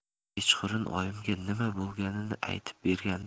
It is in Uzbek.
kechqurun oyimga nima bo'lganini aytib bergandim